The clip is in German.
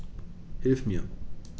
Hilf mir!